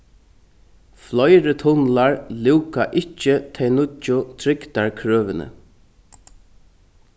fleiri tunlar lúka ikki tey nýggju trygdarkrøvini